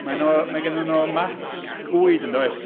maen nhw... mae gennyn nhw mats bwyd, yn does?